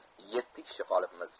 biz yetti kishi qolibmiz